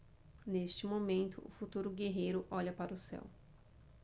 neste momento o futuro guerreiro olha para o céu